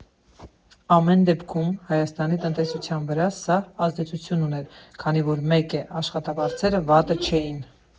Ամեն դեպքում, Հայաստանի տնտեսության վրա սա ազդեցություն ուներ, քանի որ մեկ է՝ աշխատավարձերը վատը չէին։